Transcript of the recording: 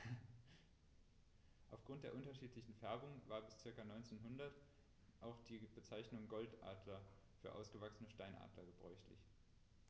Auf Grund der unterschiedlichen Färbung war bis ca. 1900 auch die Bezeichnung Goldadler für ausgewachsene Steinadler gebräuchlich.